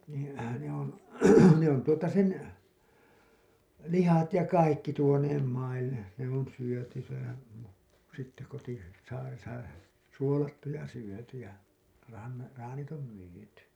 niin ne on ne on tuota sen lihat ja kaikki tuoneet maille ne on syöty sehän sitten - kotisaaressa suolattu ja syöty ja - traanit on myyty